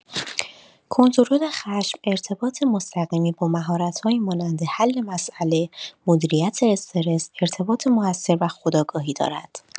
کنترل خشم ارتباط مستقیمی با مهارت‌هایی مانند حل مسئله، مدیریت استرس، ارتباط مؤثر و خودآگاهی دارد.